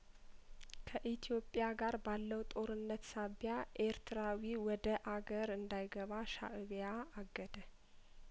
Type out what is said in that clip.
ከኢትዮጵያ ጋር ባለው ጦርነት ሳቢያ ኤርትራዊ ወደ አገር እንዳይገባ ሻእቢያ አገደ